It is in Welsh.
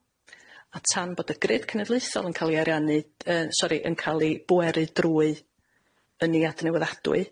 a tan bod y Grid Cenedlaethol yn ca'l i ariannu- yy sori, yn ca'l i bweru drwy ynni adnewyddadwy,